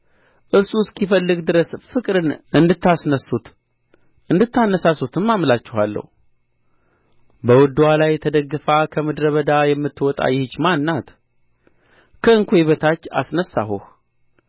እርሱ እስኪፈልግ ድረስ ፍቅርን እንዳታስነሡት እንዳታነሣሡትም አምላችኋለሁ በውድዋ ላይ ተደግፋ ከምድረ በዳ የምትወጣ ይህች ማን ናት ከእንኮይ በታች አስነሣሁህ